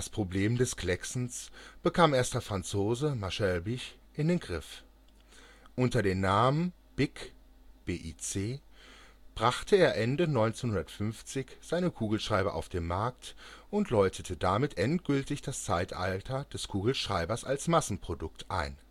Problem des Klecksens bekam erst der Franzose Marcel Bich in den Griff. Unter dem Namen BIC brachte er Ende 1950 seinen Kugelschreiber auf den Markt und läutete damit endgültig das Zeitalter des Kugelschreibers als Massenprodukt ein